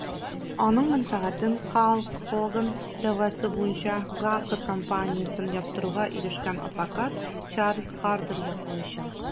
Аның мәнфәгатен Халк Хоган дәгъвасы буенча Gawker компаниясен яптыруга ирешкән адвокат Чарльз Хардер яклаячак.